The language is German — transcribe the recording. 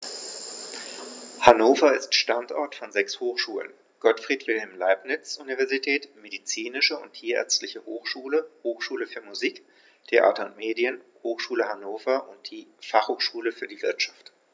Hannover ist Standort von sechs Hochschulen: Gottfried Wilhelm Leibniz Universität, Medizinische und Tierärztliche Hochschule, Hochschule für Musik, Theater und Medien, Hochschule Hannover und die Fachhochschule für die Wirtschaft.